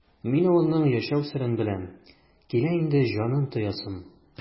Мин авылның яшәү серен беләм, килә инде җанын тоясым!